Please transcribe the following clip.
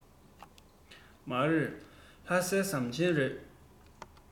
མ རེད ལྷ སའི ཟམ ཆེན རེད